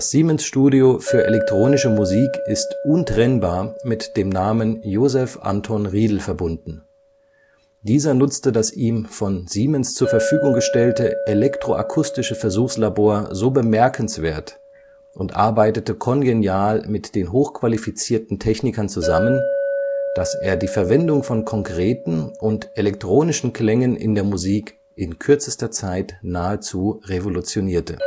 Siemens-Studio für elektronische Musik ist untrennbar mit dem Namen Josef Anton Riedl verbunden. Dieser nutzte das ihm von Siemens zur Verfügung gestellte elektroakustische Versuchslabor so bemerkenswert und arbeitete kongenial mit den hochqualifizierten Technikern zusammen, dass er die Verwendung von konkreten und elektronischen Klängen in der Musik in kürzester Zeit nahezu revolutionierte